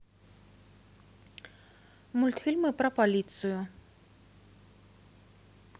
мультфильмы про полицию